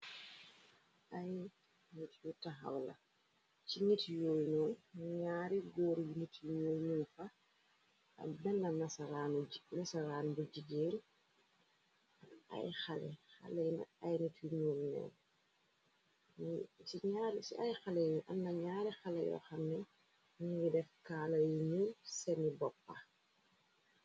aynt yu taxaw la ci nitu yuoy ñuoy ñaari góor yu nit yuñuoy ñu fax bben nesa raan bu jijeer xna aynitu ñune ci ay xale ni anna ñaari xale yoxane ñingi def kaala yuñu seni boppa.